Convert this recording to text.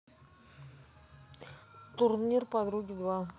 турнир подруге два